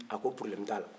a ko ''probleme'' t'a la